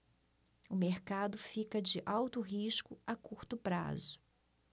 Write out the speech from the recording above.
o mercado fica de alto risco a curto prazo